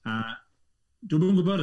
Yy dwi'm yn gwybod.